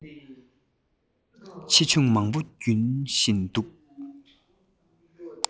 ཆེ ཆུང མང པོ རྒྱུ བཞིན འདུག